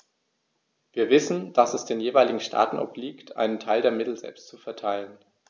Wir wissen, dass es den jeweiligen Staaten obliegt, einen Teil der Mittel selbst zu verteilen.